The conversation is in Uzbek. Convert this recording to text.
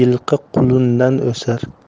yilqi qulundan o'sar